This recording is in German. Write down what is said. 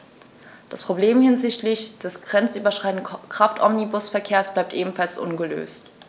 Das Problem hinsichtlich des grenzüberschreitenden Kraftomnibusverkehrs bleibt ebenfalls ungelöst.